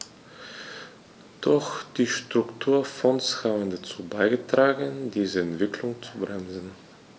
Doch die Strukturfonds haben dazu beigetragen, diese Entwicklung zu bremsen.